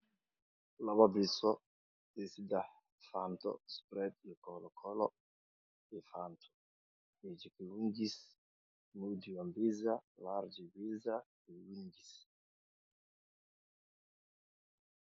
Meeshaan waxaa yaalo labo biiso kalarkoodi yahay jaalo laga cabitaan koobka kola miis ay saaranyihiin